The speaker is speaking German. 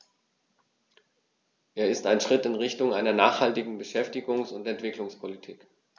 Er ist ein Schritt in Richtung einer nachhaltigen Beschäftigungs- und Entwicklungspolitik.